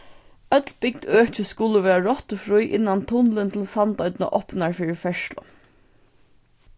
øll bygd øki skulu vera rottufrí innan tunnilin til sandoynna opnar fyri ferðslu